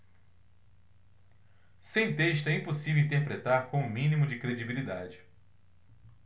sem texto é impossível interpretar com o mínimo de credibilidade